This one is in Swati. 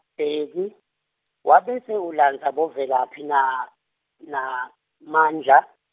Bheki, wabese ulandza boVelaphi na, naMandla.